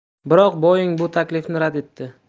biroq boeing bu taklifni rad etdi